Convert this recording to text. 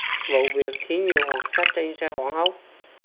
vụ việc khiến nhiều hành khách trên xe hoảng hốt